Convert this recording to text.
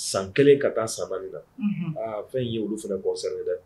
San kelen ka taa saba na aa a fɛn y ye olu fana gansan ye dɛ